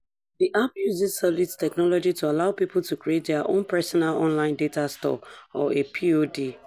The app uses Solid's technology to allow people to create their own "personal online data store" or a POD.